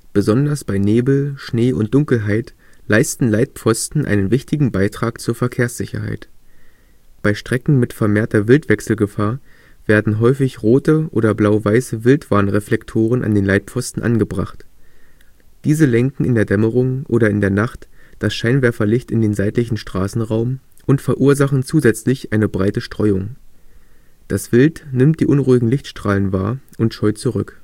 Besonders bei Nebel, Schnee und Dunkelheit leisten Leitpfosten einen wichtigen Beitrag zur Verkehrssicherheit. Bei Strecken mit vermehrter Wildwechselgefahr werden häufig rote oder blau-weiße Wildwarnreflektoren an den Leitpfosten angebracht. Diese lenken in der Dämmerung oder in der Nacht das Scheinwerferlicht in den seitlichen Straßenraum und verursachen zusätzlich eine breite Streuung. Das Wild nimmt die unruhigen Lichtstrahlen wahr und scheut zurück